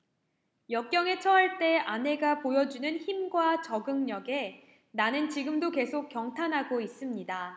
역경에 처할 때 아내가 보여 주는 힘과 적응력에 나는 지금도 계속 경탄하고 있습니다